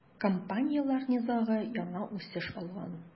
Компанияләр низагы яңа үсеш алган.